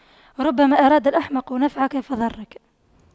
ربما أراد الأحمق نفعك فضرك